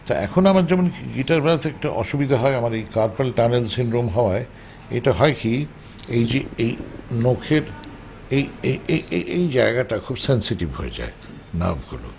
তা এখন আমার যেমন গিটার বাজাতে একটা অসুবিধা হয় আমার এই কারপাল টানেল সিনড্রোম হওয়ায় এটা হয় কি এই যে এই নখের এই এ এ এ এএই জায়গাটা খুব সেনসিটিভ হয়ে যায় নার্ভ গুলো